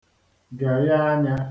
gəye enyā